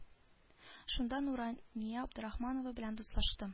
Шунда нурания абдрахманова белән дуслаштым